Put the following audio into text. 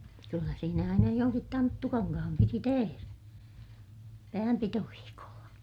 kyllä siinä aina jonkin tanttukankaan piti tehdä päänpitoviikolla